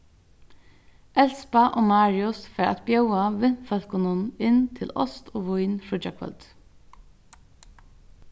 elspa og marius fara at bjóða vinfólkunum inn til ost og vín fríggjakvøldið